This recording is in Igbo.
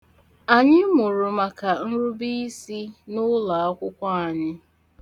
Anyị mụrụ maka nrubiisi n'ụlọakwụkwọ anyị.